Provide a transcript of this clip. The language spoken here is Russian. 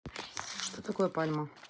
что такое пальма